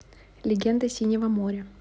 легенда синего моря